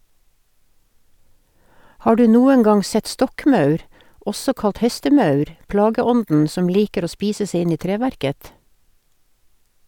Har du noen gang sett stokkmaur, også kalt hestemaur, plageånden som liker å spise seg inn i treverket?